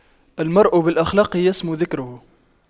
المرء بالأخلاق يسمو ذكره